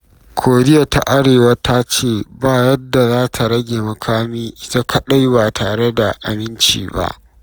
Koriya ta Arewa ta ce ‘ba yadda’ za ta rage makami ita kaɗai ba tare da aminci ba